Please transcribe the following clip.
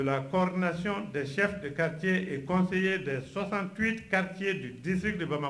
La coordination des chefs de quartier et conseillers des 68 quartiers de district de Bamako.